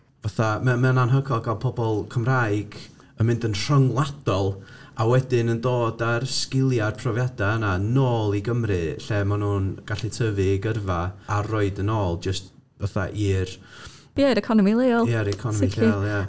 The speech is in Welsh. Fatha, mae mae o'n anhygoel gael pobl Cymraeg yn mynd yn rhyngwladol a wedyn yn dod â'r sgiliau â'r profiadau yna nôl i Gymru, lle ma' nhw'n gallu tyfu eu gyrfa a rhoid yn ôl jyst fatha i'r... Ie, i'r economi leol. ...Ie'r economi lleol, ie.